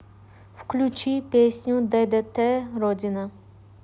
включи песню ддт родина